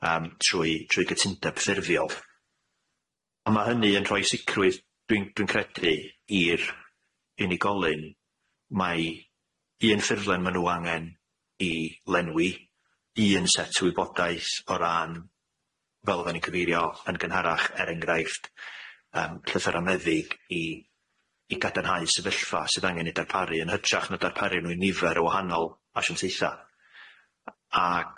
yym trwy trwy gytundeb ffurfiol. Ond ma' hynny yn rhoi sicrwydd dwi'n dwi'n credu i'r unigolyn mai un ffurflen ma' nw angen 'i lenwi un set o wybodaeth o ran fel oeddan ni'n cyfeirio yn gynharach er enghraifft yym llythyra meddyg i i gadarnhau sefyllfa sydd angen 'i darparu yn hytrach na darparu nw i nifer o wahanol asiantaeutha ag